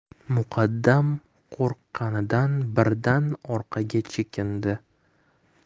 muqaddam qo'rqqanidan birdan orqaga chekindi